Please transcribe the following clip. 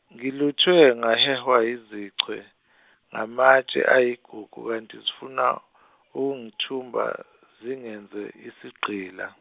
ngiluthwe ngahehwa yizichwe, ngamatshe ayigugu kanti zifuna, ukungithumba, zingenze isigqila.